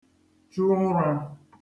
chu uṅrā